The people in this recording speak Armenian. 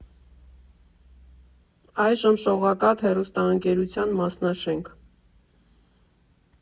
Այժմ՝ «Շողակաթ» հեռուստաընկերության մասնաշենք։